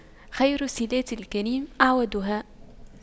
خير صِلاتِ الكريم أَعْوَدُها